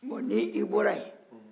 bɔn ni i bɔra yen